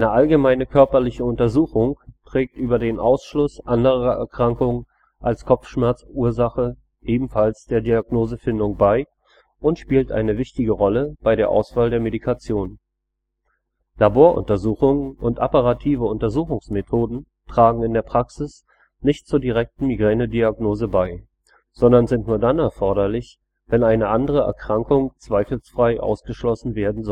allgemeine körperliche Untersuchung trägt über den Ausschluss anderer Erkrankungen als Kopfschmerzursache ebenfalls der Diagnosefindung bei und spielt eine wichtige Rolle bei der Auswahl der Medikation. Laboruntersuchungen und apparative Untersuchungsmethoden tragen in der Praxis nicht zur direkten Migränediagnose bei, sondern sind nur dann erforderlich, wenn eine andere Erkrankung zweifelsfrei ausgeschlossen werden